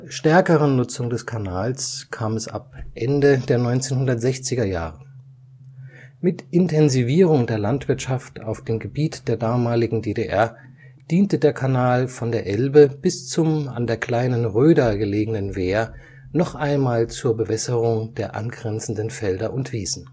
stärkeren Nutzung des Kanals kam es ab Ende der 1960er Jahre. Mit der Intensivierung der Landwirtschaft auf dem Gebiet der damaligen DDR diente der Kanal von der Elbe bis zum an der Kleinen Röder gelegenen Wehr noch einmal zur Bewässerung der angrenzenden Felder und Wiesen